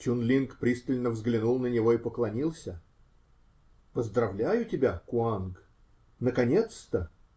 Чун-Линг пристально взглянул на него и поклонился: -- Поздравляю тебя, Куанг, -- наконец-то!